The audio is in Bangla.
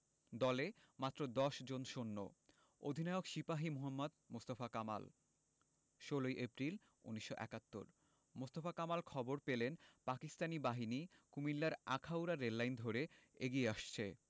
দলে মাত্র দশজন সৈন্য অধিনায়ক সিপাহি মোহাম্মদ মোস্তফা কামাল ১৬ এপ্রিল ১৯৭১ মোস্তফা কামাল খবর পেলেন পাকিস্তানি বাহিনী কুমিল্লার আখাউড়া রেললাইন ধরে এগিয়ে আসছে